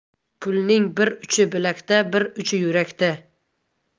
pulning bir uchi bilakda bir uchi yurakda